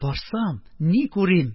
Барсам, ни күрим!?